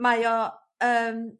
mae o yym